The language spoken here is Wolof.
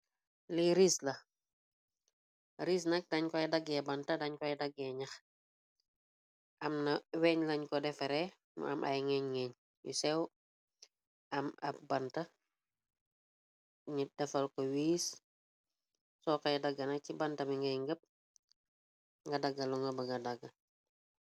Lii rees la, rees nak dañ koy daggee banta dañ koy daggee ñyax. Am na weeñ lañ ko defaree mu am ay ngeeñ geeñ yu sew, am ab banta ni defare ko wiis. Soo kay daggana ci banta bi ngay ngëpp, nga dagga lu nga baga dagga.